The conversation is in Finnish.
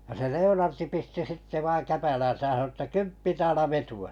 ja se Leonard pisti sitten vain käpälänsä ja sanoi että kymppi taala vetoa